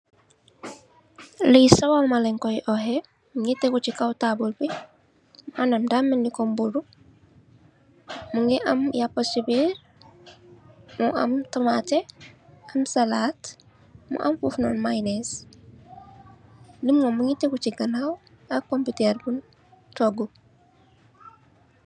Li sawalma leñ koy óyeh mugii tégu ci kaw tabull bi da melni kom mburu, mungii am yapa ci biir, mu am tamate am salad mu am fof non mayeenes, lemon mungii tégu ci ganaw ak pompitèèr buñ toogut.